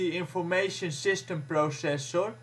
Information System Processor